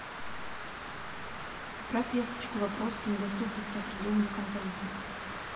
отправь весточку вопрос по недоступности определенного контента